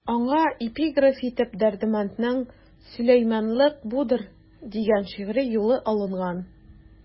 Аңа эпиграф итеп Дәрдмәнднең «Сөләйманлык будыр» дигән шигъри юлы алынган.